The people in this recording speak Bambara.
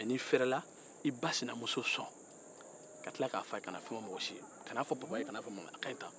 i ba sinamuso sɔn n'i fɛrɛla a kana fɛn fɔ papa ni maman fila si ye